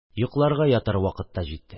Йокларга ятар вакыт та җитте.